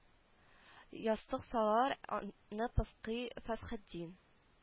Ястык салалар аны пыскый фәсхетдин